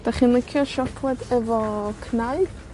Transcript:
'Dach chi'n licio siocled efo cnau?